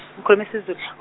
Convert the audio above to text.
ngikhulum' isiZu- .